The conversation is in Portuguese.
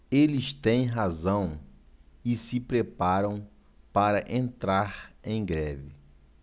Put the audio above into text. eles têm razão e se preparam para entrar em greve